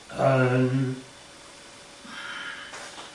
Yym.